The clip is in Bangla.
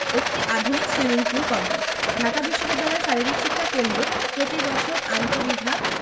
একটি আধুনিক সুইমিং পুল কমপ্লেক্স ঢাকা বিশ্ববিদ্যালয় শারীরিক শিক্ষা কেন্দ্র প্রতিবছর আন্তঃবিভাগ